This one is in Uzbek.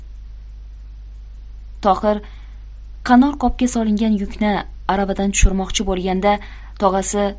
tohir qanor qopga solingan yukni aravadan tushirmoqchi bo'lganda tog'asi